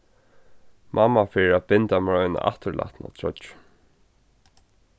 mamma fer at binda mær eina afturlatna troyggju